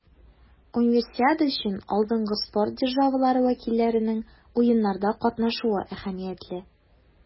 Универсиада өчен алдынгы спорт державалары вәкилләренең Уеннарда катнашуы әһәмиятле.